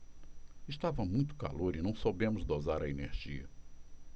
estava muito calor e não soubemos dosar a energia